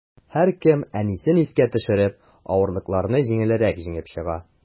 Һәркем, әнисен искә төшереп, авырлыкларны җиңелрәк җиңеп чыга.